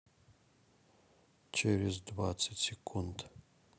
через двадцать секунд